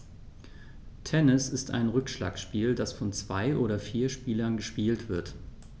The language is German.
Tennis ist ein Rückschlagspiel, das von zwei oder vier Spielern gespielt wird.